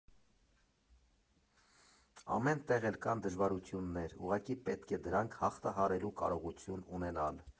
Ամեն տեղ էլ կան դժվարություններ, ուղղակի պետք է դրանք հաղթահարելու կարողություն ունենալ։